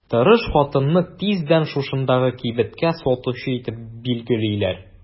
Тырыш хатынны тиздән шушындагы кибеткә сатучы итеп билгелиләр.